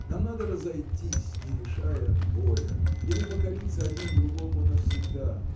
Нам надо разойтись, не решая боя, или покориться один другому навсегда.